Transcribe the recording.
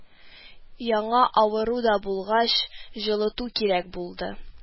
Яңа авыру да булгач, җылыту кирәк булды